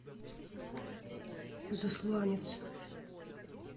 засланец